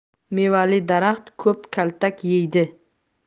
mevali daraxt ko'p kaltak yeydi